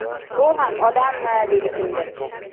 u xam odammi dedi kimdir